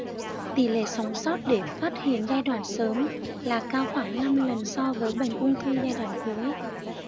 tỷ lệ sống sót để phát hiện giai đoạn sớm là cao khoảng năm lần so với bệnh ung thư giai đoạn cuối